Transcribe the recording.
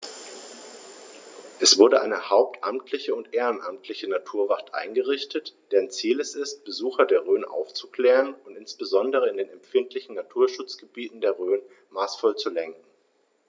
Es wurde eine hauptamtliche und ehrenamtliche Naturwacht eingerichtet, deren Ziel es ist, Besucher der Rhön aufzuklären und insbesondere in den empfindlichen Naturschutzgebieten der Rhön maßvoll zu lenken.